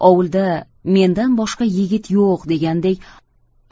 ovulda mendan boshqa yigit yo'q degandek